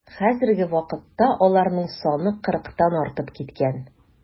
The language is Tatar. Хәзерге вакытта аларның саны кырыктан артып киткән.